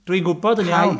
Dwi'n gwybod yn iawn.